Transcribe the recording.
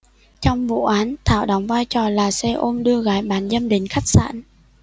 trong vụ án thảo đóng vai trò là xe ôm đưa gái bán dâm đến khách sạn